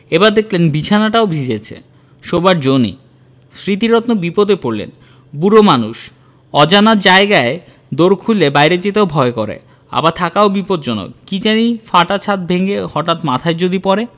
এবার দেখলেন বিছানাটাও ভিজেছে শোবার জো নেই স্মৃতিরত্ন বিপদে পড়লেন বুড়ো মানুষ অজানা জায়গায় দোর খুলে বাইরে যেতেও ভয় করে আবার থাকাও বিপজ্জনক কি জানি ফাটা ছাত ভেঙ্গে হঠাৎ মাথায় যদি পড়ে